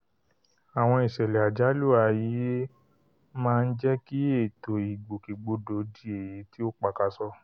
Àwọn ìṣẹ̀lẹ̀ àjálù ayé ma ń jẹ́kí ètò ìgbòkè-gbodò di èyi tí ó pakasọ.